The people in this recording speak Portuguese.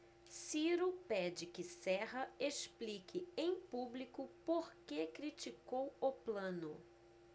ciro pede que serra explique em público por que criticou plano